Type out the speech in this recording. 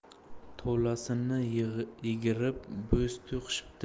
tolasini yigirib bo'z to'qishibdi